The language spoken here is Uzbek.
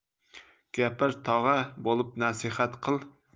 gapir tog'a bo'lib nasihat qil